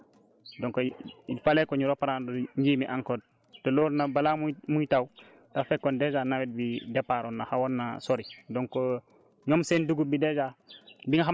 parce que dafa tombe ak pause pluviométrique toog lu yàgg tawul donc il fallait que ñu reprendre nji mi encore te loolu nag balaa muy muy taw dafa fekkoon dèjà nawet bi départ woon na xawoon naa sori